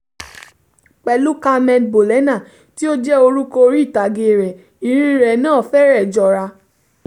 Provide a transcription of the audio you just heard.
Pẹ̀lú Carmen Bolena, tí ó jẹ́ orúkọ orí ìtàgé rẹ̀, ìrírí náà fẹ́rẹ̀ jọra.